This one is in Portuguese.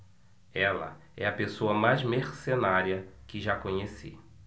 ela é a pessoa mais mercenária que já conheci